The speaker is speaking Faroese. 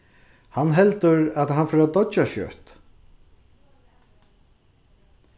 hann heldur at hann fer at doyggja skjótt